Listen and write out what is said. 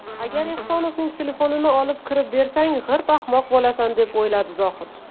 agar ehsonovning telefonini olib kirib bersang g'irt ahmoq bo'lasan deb o'yladi zohid